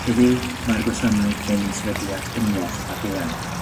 Heddiw mae'r Gwasanaeth yn sefydliad cymleth ac eang